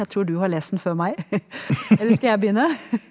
jeg tror du har lest den før meg, eller skal jeg begynne?